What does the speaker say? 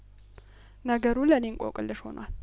ነገሩ ለእኔ እንቆቅልሽ ሆኗል